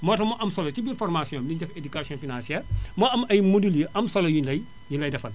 moo tax mu am solo si biir formation naénu ci def éducation financière mu am ay modules yu am solo yu énu lay yu ñu lay defal